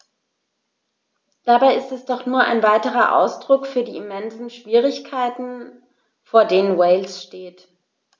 Dabei ist es doch nur ein weiterer Ausdruck für die immensen Schwierigkeiten, vor denen Wales steht.